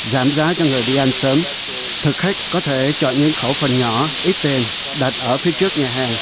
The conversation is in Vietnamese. giảm giá cho người đi ăn sớm thực khách có thể chọn những khẩu phần nhỏ ít tên đặt ở phía trước nhà hàng